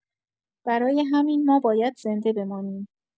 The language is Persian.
برای همین ما باید زنده بمانیم.